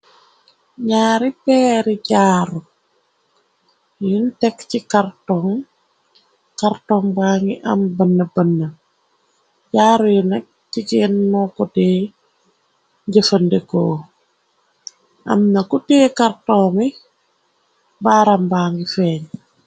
Naari peeri jaaru yun tekk ci karton karton bangi am buna buna jaaru yi nak ci jigeen moko de jefendeko am na ku teye karton bi baarambaa ngi feeñ.